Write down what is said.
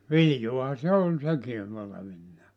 viljaahan se oli sekin olevinaan